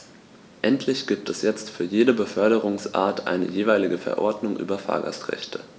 Endlich gibt es jetzt für jede Beförderungsart eine jeweilige Verordnung über Fahrgastrechte.